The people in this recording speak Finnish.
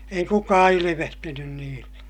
ei kukaan ilvehtinyt niille